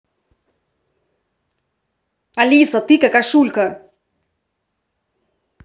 алиса ты какашулька